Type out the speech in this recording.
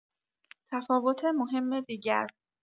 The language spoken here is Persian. تفاوت مهم دیگر